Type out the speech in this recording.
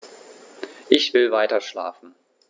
Ich will weiterschlafen.